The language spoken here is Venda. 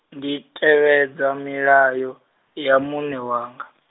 ndi tevhedza milayo, ya muṋe wanga.